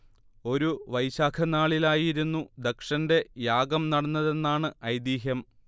ഒരു വൈശാഖ നാളിലായിരുന്നു ദക്ഷന്റെ യാഗം നടന്നതെന്നാണ് ഐതിഹ്യം